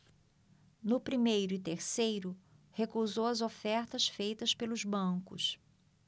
no primeiro e terceiro recusou as ofertas feitas pelos bancos